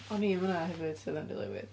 O'n i yn fan'na hefyd, sydd yn rili weird.